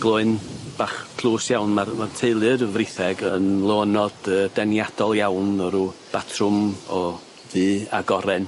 Gloyn bach tlws iawn ma'r ma' teulu'r fritheg yn loynod yy deniadol iawn o rw batrwm o ddu ag oren.